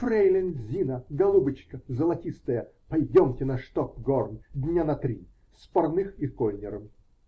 Фрейлейн Зина, голубочка, золотистая, пойдемте на Штокгорн, дня на три, с Парных и Кольнером.